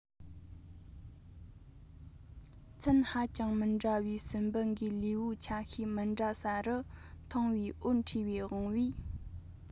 ཚན ཧ ཅང མི འདྲ བའི སྲིན འབུ འགའི ལུས པོའི ཆ ཤས མི འདྲ ས རུ མཐོང བའི འོད འཕྲོ བའི དབང པོས